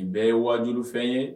Nin bɛɛ ye wajulu fɛn ye